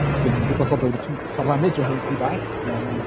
Dwi'n ymwybodol bod fi 'di cym- carlamu drwy rhain chydig bach yym